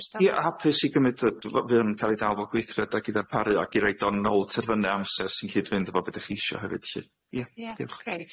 Ia hapus i gymyd yy dy- fewn yn ca'l ei dal fel gweithred ag i ddarparu ag i roid o nôl terfynne amser sy'n cyd-fynd efo be' dych chi isio hefyd lly. Ia. Ia. Diolch.